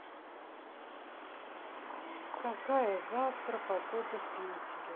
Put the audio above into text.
какая завтра погода в питере